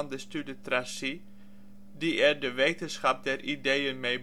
Destutt de Tracy, die er de wetenschap der ideeën mee